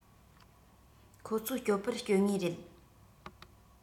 ཁོ ཚོ སྐྱོབ པར བསྐྱོད ངེས རེད